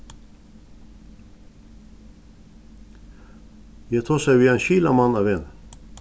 eg tosaði við ein skilamann á vegnum